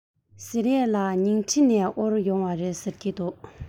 ཟེར ཡས ལ ཉིང ཁྲི ནས དབོར ཡོང བ རེད ཟེར གྱིས